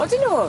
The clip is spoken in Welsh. Odyn nw?